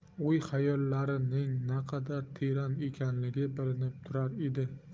o'y xayollarining naqadar teran ekanligi bilinib turar edi